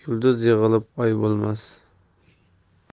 yulduz yig'ilib oy bo'lmas